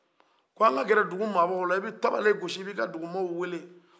ko anw kɛrɛ dugumabaw la i b'i tabalen gosi i b'i ka dugumɔw wele